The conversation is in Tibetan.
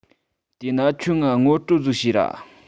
དེས ན ཁྱོས ངའ ངོ སྤྲོད ཟིག བྱོས ར